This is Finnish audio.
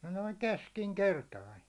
noin keskinkertainen